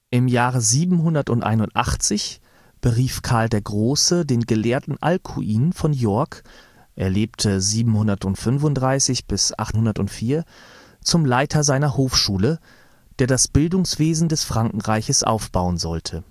Im Jahre 781 berief Karl der Große den Gelehrten Alkuin von York (735 – 804) zum Leiter seiner Hofschule, der das Bildungswesen des Frankenreiches aufbauen sollte